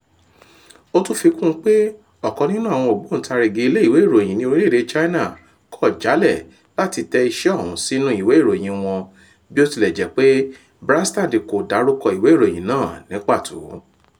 Ó tún fikún un pé ọ̀kan nínú àwọn ògbóntarìgì ilé ìwé ìròyìn ní orílẹ̀èdè China kọ̀ jálẹ̀ láti tẹ iṣẹ́ òun sínú ìwé ìròyìn wọn bí ó tilẹ̀ jẹ́ pé Branstad kò dárúkọ ìwé ìròyìn náà ní pàtó.